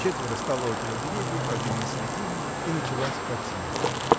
четверо стало около деревьев, один на середине -- и началась потеха.